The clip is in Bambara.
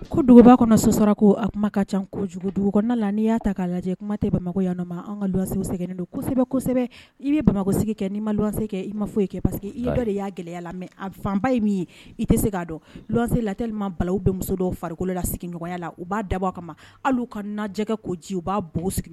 Ko dogoba kɔnɔ sɔsɔra ko a kuma ka ca kojugu dugu la n'i y'a ta' lajɛ kuma tɛ bamakɔyanama ka lankisɛsɛ don kosɛbɛ kosɛbɛ i bɛ bamakɔ kɛ ni la lan kɛ i ma foyi kɛ parceseke i dɔ de y'a gɛlɛya la mɛ a fanba ye min ye i tɛ se k'a dɔn lanse laelili ma bala bɛ muso dɔw farikolo la sigiɲɔgɔnya la u b'a dabɔ kama ma hali ka naajɛgɛ koji u b'a bon sigi